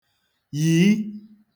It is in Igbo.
yìi